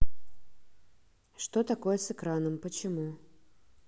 что такое с экраном почему